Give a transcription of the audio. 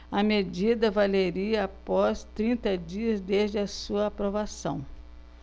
a medida valeria após trinta dias desde a sua aprovação